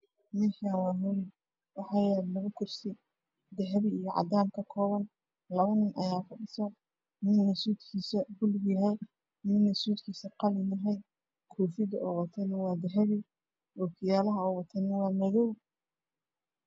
Mashan waa hool waxaa yalo labo kuras kakoban dahabi iyo cadan labo nin aya fadhiyo dharka kalarka ey watan waa baluug iyo qalin kufida oow wato waa dahabi hokiyalo oow wato waa madow